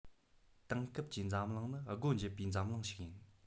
དེང སྐབས ཀྱི འཛམ གླིང ནི སྒོ འབྱེད པའི འཛམ གླིང ཞིག ཡིན